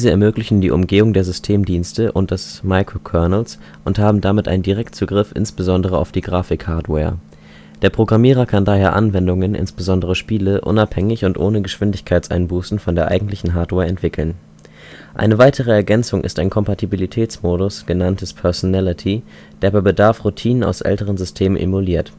ermöglichen die Umgehung der Systemdienste und des Mikrokernels und haben damit einen Direktzugriff insbesondere auf die Grafikhardware. Der Programmierer kann daher Anwendungen, insbesondere Spiele, unabhängig und ohne Geschwindigkeitseinbußen von der eigentlichen Hardware entwickeln. Schichten unter Windows XP (vereinfacht) Eine weitere Ergänzung ist ein Kompatibilitätsmodus genanntes Personality, der bei Bedarf Routinen aus älteren Systemen emuliert